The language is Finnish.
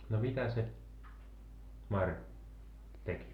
no mitä se Mari teki